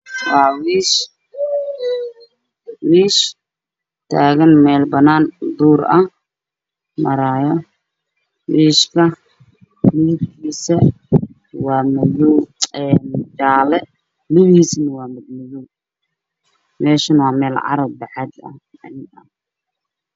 Waa wiish taagan meel banaan ah oo duur ah, midabkiisu waa jaale, lugihiisa waa madow, meesha waa meel bacaad ah.